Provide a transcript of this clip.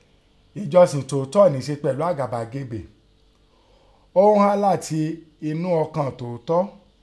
Ẹ̀jọsìn tọ̀ọ́tọ́ nẹ̀ ẹ́ se pẹ̀lú àgàbàgebè. Ọ́ ń ghá látin ẹnú ọkàn tọ̀ọ́tọ́.